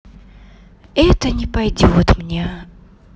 это не пойдет мне